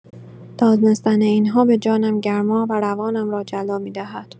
دانستن این‌ها به جانم گرما و روانم را جلا می‌دهد.